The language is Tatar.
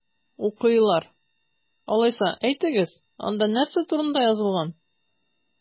Укыйлар! Алайса, әйтегез, анда нәрсә турында язылган?